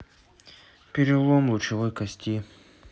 перелом лучевой кости